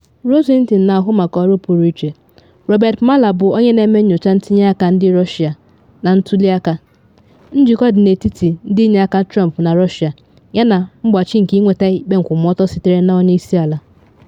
Rosenstein na-ahụ maka ọrụ pụrụ iche Robert Mueller bụ onye na-eme nyocha ntinye aka ndị Russia na ntuli aka, njikọ dị n’etiti ndị inyeaka Trump na Russia yana mgbachi nke inweta ikpe nkwumọtọ sitere na onye isi ala.